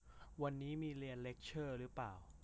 วันนี้มีเรียนเลคเชอร์รึป่าว